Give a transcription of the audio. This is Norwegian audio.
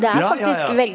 ja ja ja.